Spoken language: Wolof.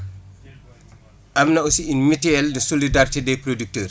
am na aussi une mutuelle de solidarité des producteurs